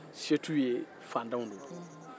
se t'u ye faantanw don